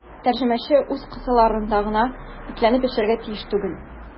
Тәрҗемәче үз кысаларында гына бикләнеп яшәргә тиеш түгел.